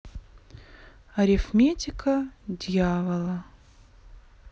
арифметика дьявола